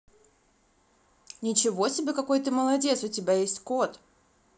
ничего себе какой ты молодец у тебя есть кот